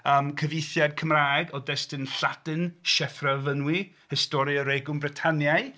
Yym cyfieithiad Cymraeg o destun Lladin, Sieffre o Fynwy, Historia Regum Britanniae.